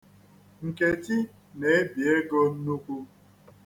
Nkechi na-ebi ego nnukwu.